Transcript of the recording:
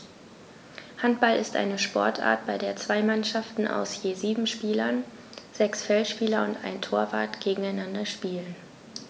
Handball ist eine Sportart, bei der zwei Mannschaften aus je sieben Spielern (sechs Feldspieler und ein Torwart) gegeneinander spielen.